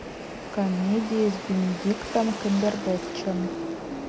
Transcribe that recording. комедии с бенедиктом камбербэтчем